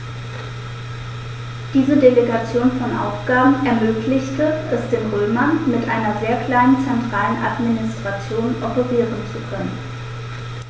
Diese Delegation von Aufgaben ermöglichte es den Römern, mit einer sehr kleinen zentralen Administration operieren zu können.